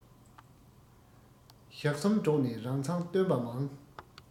ཞག གསུམ འགྲོགས ནས རང མཚང སྟོན པ མང